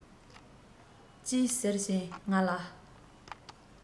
ཅེས ཟེར བཞིན ང ལ